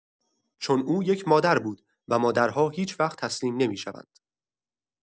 چون او یک مادر بود، و مادرها هیچ‌وقت تسلیم نمی‌شوند.